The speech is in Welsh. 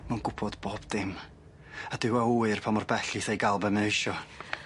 Ma'n gwbod bob dim a dyw â ŵyr pa mor bell eith e i ga'l be' mae o isio.